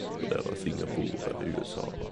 Vurderer Singapore eller USA.